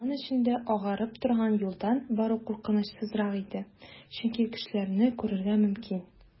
Томан эчендә агарып торган юлдан бару куркынычсызрак иде, чөнки кешеләрне күрергә мөмкин.